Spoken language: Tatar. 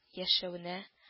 Яшәвенә